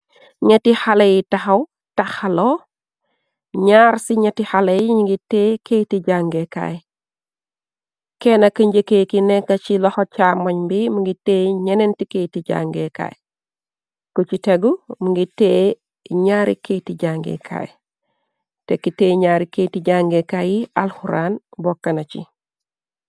Nyeti xalé yi taxaw taxaloo ñaar ci ñetti xalé yi ñngi tee keyti jangee kaay kenna ka njëkkee ki nekka ci loxo caa moñ bi mngi teey ñeneenti keyti jangee kaay ku ci teg mu ngir tée ñaari keyti jangee kaay te ki tee ñaari keyti jangeekaay yi alxuraan bokkana ci.